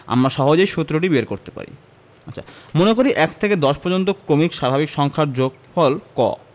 আমরা সহজেই সুত্রটি বের করতে পারি মনে করি ১ থেকে ১০ পর্যন্ত ক্রমিক স্বাভাবিক সংখ্যাগুলোর যোগফল ক